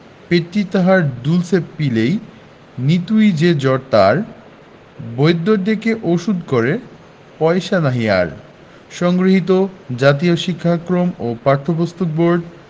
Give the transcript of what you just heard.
পেটটি তাহার দুলছে পিলেয় নিতুই যে জ্বর তার বৈদ্য ডেকে ওষুধ করে পয়সা নাহি আর সংগৃহীত জাতীয় শিক্ষাক্রম ও পাঠ্যপুস্তক বোর্ড